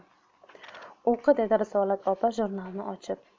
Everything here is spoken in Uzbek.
o'qi dedi risolat opa jurnalni ochib